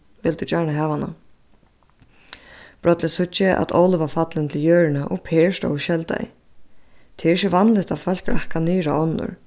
vildu gjarna hava hana brádliga síggi eg at óli var fallin til jørðina og per stóð og skeldaði tað er ikki vanligt at fólk rakka niður á onnur